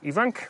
ifanc